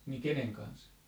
niin kenen kanssa